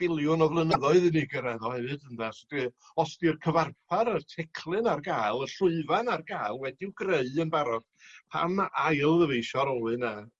biliwn o flynyddoedd i ni gyrraedd o hyd yn dallt i os 'di'r cyfarpar y teclyn ar gael y llwyfan ar gael wedi'w greu yn barod pam ailddyfeisio'r olwyn 'ne.